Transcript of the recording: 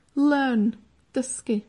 Learn, dysgu.